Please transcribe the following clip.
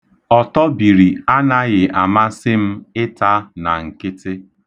Ọtọbiri anaghị amasị m ịta na nkịtị.